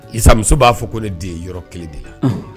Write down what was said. Isamuso b'a fɔ ko ne de ye yɔrɔ kelen de ye